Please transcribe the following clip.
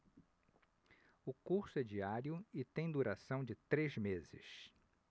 o curso é diário e tem duração de três meses